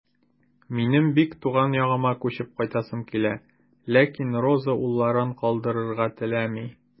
Минем бик туган ягыма күчеп кайтасым килә, ләкин Роза улларын калдырырга теләми.